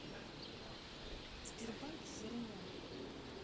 сбербанк херня